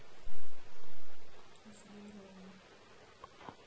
здарова